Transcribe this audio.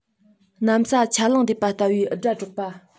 གནམ ས ཆ ལང རྡེབ པ ལྟ བུའི འུར སྒྲ སྒྲོག པ